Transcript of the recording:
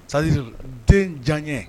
Sadi den diya ye